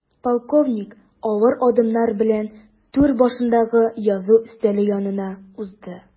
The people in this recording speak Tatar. Полковник авыр адымнар белән түр башындагы язу өстәле янына узды.